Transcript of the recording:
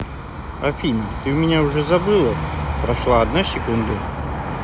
афина ты меня уже забыла прошла одна секунда